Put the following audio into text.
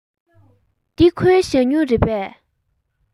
འདི ཁོའི ཞ སྨྱུག རེད པས